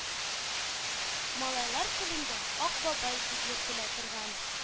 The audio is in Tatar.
Малайлар телендә “Ак бабай” дип йөртелә торган